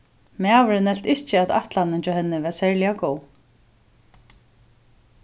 maðurin helt ikki at ætlanin hjá henni var serliga góð